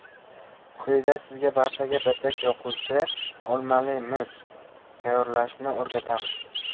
quyida sizga barchaga birdek yoquvchi olmali muss tayyorlashni o'rgatamiz